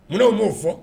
Munna b'o fɔ